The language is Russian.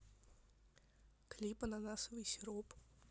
клип ананасовый сироп